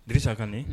Dirisa Kane